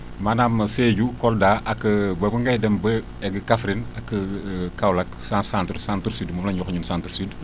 maanaam Sedhiou Kolda ak ba ba ngay dem ba egg Kaffrine ak Kaolack sens centre centre sud moom la ñuy wax ñun centre sud